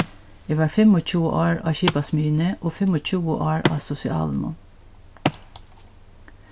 eg var fimmogtjúgu ár á skipasmiðjuni og fimmogtjúgu ár á sosialinum